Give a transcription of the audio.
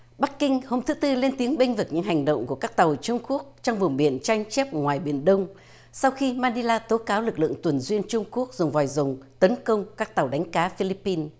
bắc kinh hôm thứ tư lên tiếng bênh vực những hành động của các tàu trung quốc trong vùng biển tranh chấp ngoài biển đông sau khi man ni la tố cáo lực lượng tuần duyên trung quốc dùng vòi rồng tấn công các tàu đánh cá phi líp pin